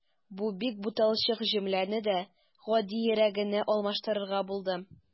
Бу бик буталчык җөмләне дә гадиерәгенә алмаштырырга булдым.